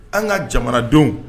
An ka jamanadenw